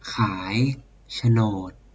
ขายโฉนด